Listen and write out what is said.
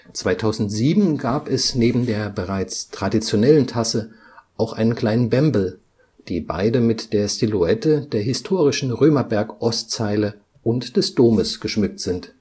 2007 gab es neben der bereits traditionellen Tasse auch einen kleinen Bembel, die beide mit der Silhouette der historischen Römerberg-Ostzeile und des Domes geschmückt sind